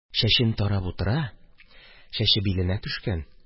– чәчен тарап утыра, чәче биленә төшкән...